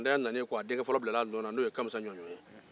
a ntanya nanen a denke kamisa ɲɔɲɔ bilara a nɔ na